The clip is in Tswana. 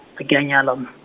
ga ke a nyala m-.